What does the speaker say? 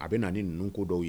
A bɛ na ninnu ko dɔw ye